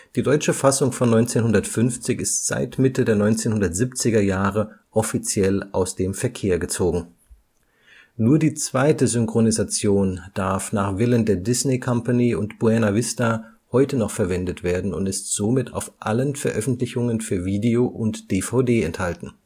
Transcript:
Die deutsche Fassung von 1950 ist seit Mitte der 1970er-Jahre offiziell aus dem Verkehr gezogen. Nur die zweite Synchronisation darf nach Willen der Disney Company und Buena Vista heute noch verwendet werden und ist somit auf allen Veröffentlichungen für Video und DVD enthalten